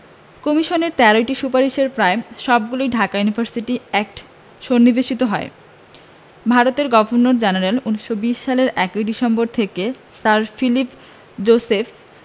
কমিশনের ১৩টি সুপারিশের প্রায় সবগুলিই ঢাকা ইউনিভার্সিটি অ্যাক্টে সন্নিবেশিত হয় ভারতের গভর্নর জেনারেল ১৯২০ সালের ১ ডিসেম্বর থেকে স্যার ফিলিপ জোসেফ